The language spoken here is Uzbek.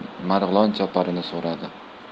bilan marg'ilon choparini so'radi